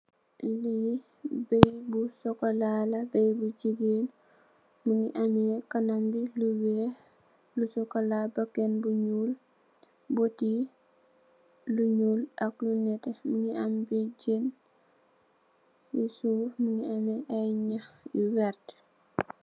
Li baye bu sokola, baye bu jigéen. Mungi ameh kanam bi lu weeh, lu sokola, bakan bu ñuul, bout yi lu ñuul ak lu netè. Mungi am baijañ. Ci Suuf mungi ameh ay ñah yu vert.